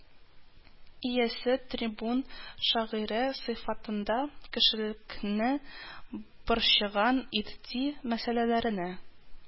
Иясе, трибун-шагыйре сыйфатында кешелекне борчыган итди мәсьәләләренә